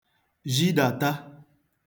zhidàta